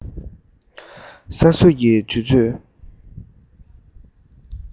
ས སྲོད ཀྱི དུས ཚོད